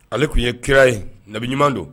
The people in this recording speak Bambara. Ale tun ye kira ye nabiɲuman don